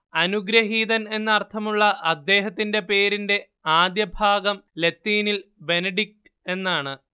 അനുഗ്രഹീതൻ എന്നർത്ഥമുള്ള അദ്ദേഹത്തിന്റെ പേരിന്റെ ആദ്യഭാഗം ലത്തീനിൽ ബെനഡിക്ട് എന്നാണ്